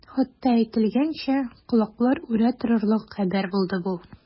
Хатта әйтелгәнчә, колаклар үрә торырлык хәбәр булды бу.